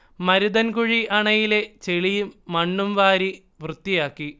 മരുതൻകുഴി അണയിലെ ചെളിയും മണ്ണും വാരി വൃത്തിയാക്കി